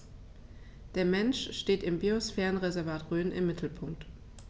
Der Mensch steht im Biosphärenreservat Rhön im Mittelpunkt.